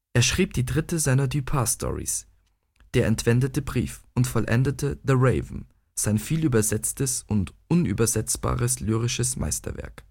Er schrieb die dritte seiner Dupin-Storys Der entwendete Brief und vollendete The Raven, sein viel übersetztes und unübersetzbares lyrisches Meisterwerk